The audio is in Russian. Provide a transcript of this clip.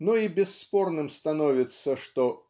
но и бесспорным становится что